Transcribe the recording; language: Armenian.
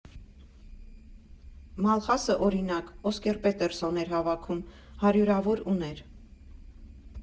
Մալխասը, օրինակ, Օսկեր Պետերսոն էր հավաքում՝ հարյուրավոր ուներ։